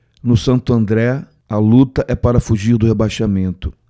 no santo andré a luta é para fugir do rebaixamento